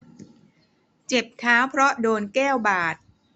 เจ็บเท้าเพราะโดนแก้วบาด